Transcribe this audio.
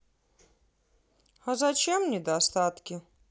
а зачем недостатки